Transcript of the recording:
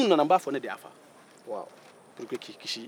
wa puruke k'i kisi o kana se k'i minɛ